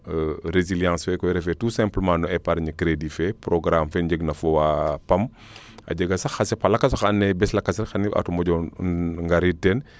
resilience fee koy ref tout simplement no epargne credit fee programme fee nu njeg na fo waa PAM a jega xa sepa xa lakas sax bes fa lakas xan i mbaato moƴo ngarid teen